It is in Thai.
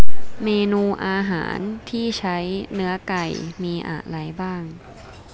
เมนูอาหารที่ใช้เนื้อไก่มีอะไรบ้าง